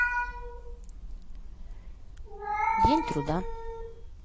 день труда